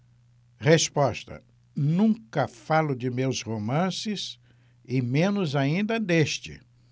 resposta nunca falo de meus romances e menos ainda deste